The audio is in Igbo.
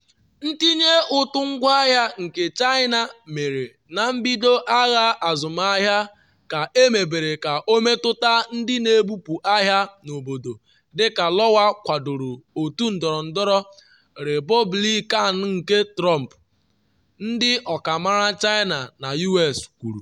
Ntinye ụtụ ngwahịa nke China mere na mbido agha azụmahịa ka emebere ka ọ metụta ndị na ebupu ahịa n’obodo dịka Iowa kwadoro otu ndọrọndọrọ Repọblikan nke Trump, ndị ọkammara China na U.S kwuru.